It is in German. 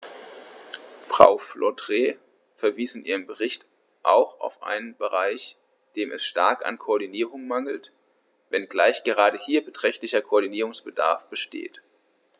Frau Flautre verwies in ihrem Bericht auch auf einen Bereich, dem es stark an Koordinierung mangelt, wenngleich gerade hier beträchtlicher Koordinierungsbedarf besteht.